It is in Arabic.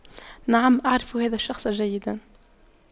نعم اعرف هذا الشخص جيدا